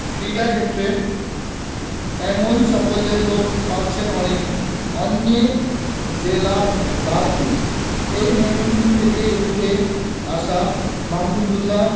ক্রীড়াক্ষেত্রে এমন সাফল্য তো পাচ্ছেন অনেকেই অন্য জেলা বাদ দিন এ ময়মনসিংহ থেকেই উঠে আসা মাহমুদউল্লাহ